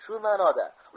shu manoda